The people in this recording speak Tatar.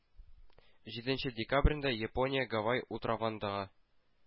Җиденче декабрендә япония гавай утравындагы